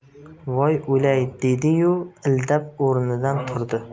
voy o'lay dedi yu ildam o'rnidan turdi